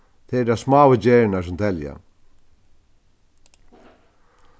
tað eru tær smáu gerðirnar sum telja